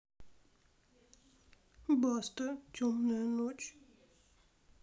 баста темная ночь